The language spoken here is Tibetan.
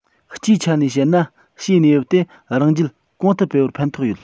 སྤྱིའི ཆ ནས བཤད ན ཕྱིའི གནས བབ དེ རང རྒྱལ གོང དུ སྤེལ བར ཕན ཐོགས ཡོད